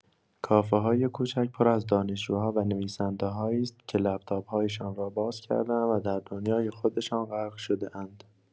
کافه‌های کوچک پر از دانشجوها و نویسنده‌‌هایی است که لپ‌تاپ‌هایشان را باز کرده‌اند و در دنیای خودشان غرق شده‌اند.